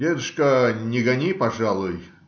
"- Дедушка, не гони, пожалуй!